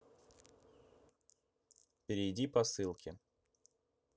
перейди по ссылке